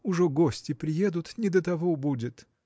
Ужо гости приедут, не до того будет.